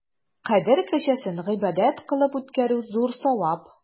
Кадер кичәсен гыйбадәт кылып үткәрү зур савап.